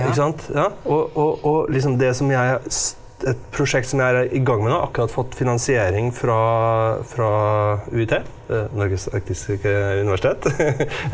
ikke sant ja og og og liksom det som jeg et prosjekt som jeg er i gang med nå akkurat fått finansiering fra fra UiT Norges arktiske universitet .